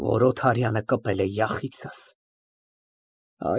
Օթարյանը կպել է յախիցս։